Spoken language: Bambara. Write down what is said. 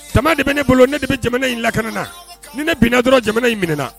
Jama de bɛ ne bolo ne de bɛ jamana in lakana na ni ne binna dɔrɔn jamana in minɛna